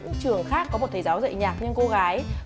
trường khác có một thầy giáo dạy nhạc nhưng cô gái